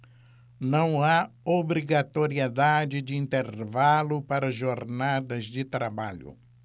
não há obrigatoriedade de intervalo para jornadas de trabalho